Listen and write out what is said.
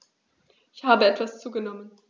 Ich habe etwas zugenommen